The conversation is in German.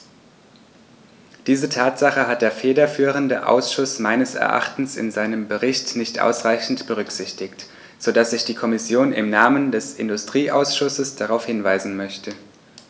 Diese Tatsache hat der federführende Ausschuss meines Erachtens in seinem Bericht nicht ausreichend berücksichtigt, so dass ich die Kommission im Namen des Industrieausschusses darauf hinweisen möchte.